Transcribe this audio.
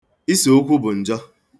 Ise okwu bụ njọ.